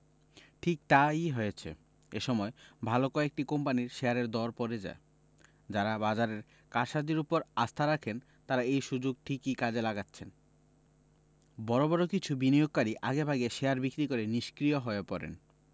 ঠিক তা ই হয়েছে এ সময় ভালো কয়েকটি কোম্পানির শেয়ারের দর পড়ে যায় যাঁরা বাজারের কারসাজির ওপর আস্থা রাখেন তাঁরা এই সুযোগ ঠিকই কাজে লাগাচ্ছেন বড় বড় কিছু বিনিয়োগকারী আগেভাগে শেয়ার বিক্রি করে নিষ্ক্রিয় হয়ে পড়েন